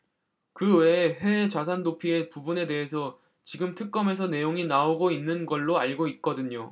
그 외에 해외 재산 도피에 부분에 대해서 지금 특검에서 내용이 나오고 있는 걸로 알고 있거든요